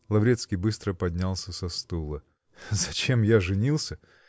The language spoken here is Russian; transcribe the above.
Лаврецкий быстро поднялся со стула. -- Зачем я женился?